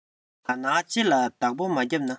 ནར ནར ལྕེ ལ བདག པོ མ རྒྱབ ན